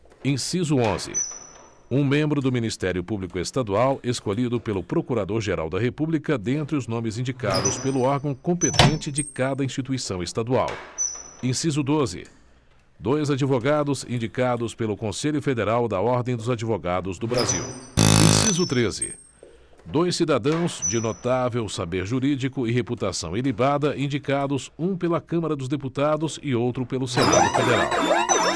inciso onze um membro do ministério público estadual escolhido pelo procurador geral da república dentre os nomes indicados pelo órgão competente de cada instituição estadual inciso doze dois advogados indicados pelo conselho federal da ordem dos advogados do brasil inciso treze dois cidadãos de notável saber jurídico e reputação ilibada indicados um pela câmara dos deputados e outro pelo senado federal